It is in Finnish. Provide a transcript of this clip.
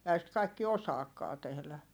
eihän sitä kaikki osaakaan tehdä